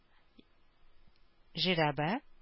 Жирәбә